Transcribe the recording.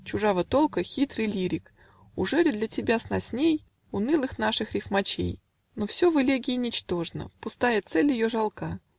"Чужого толка" хитрый лирик Ужели для тебя сносней Унылых наших рифмачей? - "Но все в элегии ничтожно Пустая цель ее жалка